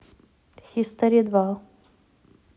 хистори два